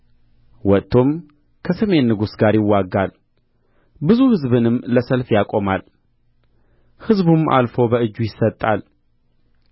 ወጥቶም ከሰሜን ንጉሥ ጋር ይዋጋል ብዙ ሕዝብንም ለሰልፍ ያቆማል ሕዝቡም አልፎ በእጁ ይሰጣል